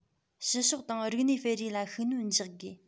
ཕྱི ཕྱོགས དང རིག གནས སྤེལ རེས ལ ཤུགས སྣོན རྒྱག དགོས